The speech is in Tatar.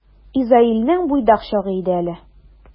Изаилнең буйдак чагы иде әле.